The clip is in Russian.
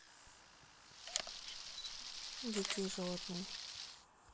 дикие животные